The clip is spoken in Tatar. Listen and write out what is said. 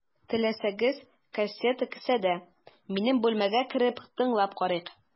Теләсәгез, кассета кесәдә, минем бүлмәгә кереп, тыңлап карыйк.